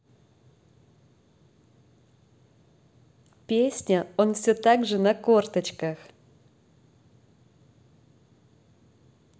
песня он все так же на корточках